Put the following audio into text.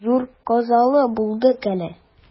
Зур казалы булдык әле.